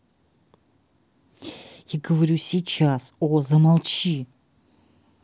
я говорю сейчас о замолчи